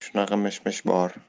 shunaqa mish mish bor